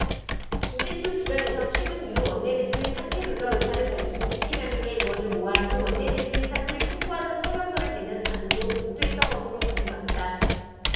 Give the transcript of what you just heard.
김 대표 주변에선 최근 유 원내대표의 사퇴 불가 의사를 밝힌 이십 여 명의 의원을 모아 유 원내대표의 사퇴를 촉구하는 성명서를 내는 안도 검토했던 것으로 전해졌다